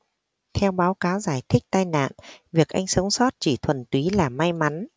theo báo cáo giải thích tai nạn việc anh sống sót chỉ thuần túy là may mắn